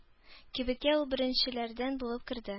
Кибеткә ул беренчеләрдән булып керде.